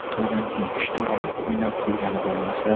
to'ydan keyin uch to'rt oy o'ynab kulgani bo'lmasa